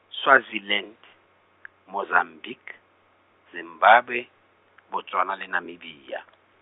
Swaziland, Mozambique, Zimbabwe, Botswana le Namibia .